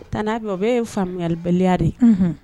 o bɛɛ ye faamuyabaliya de ye. Unhun.